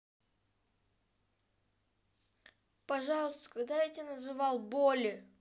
пожалуйста когда я тебя называть боли